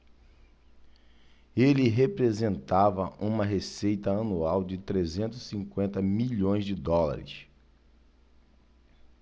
ele representava uma receita anual de trezentos e cinquenta milhões de dólares